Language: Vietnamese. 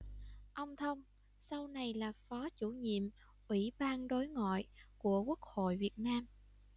ông thông sau này là phó chủ nhiệm ủy ban đối ngoại của quốc hội việt nam